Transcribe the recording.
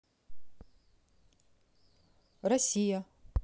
россия